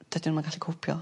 Dydi nw'm yn gallu côpio.